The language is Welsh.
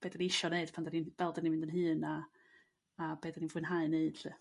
fedri isio 'neud pan 'dyn ni'n fel 'dyn ni'n mynd yn hŷn a a be' 'dan ni'n fwynhau neud 'lly.